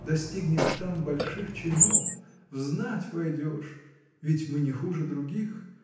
Достигнешь там больших чинов, в знать войдешь – ведь мы не хуже других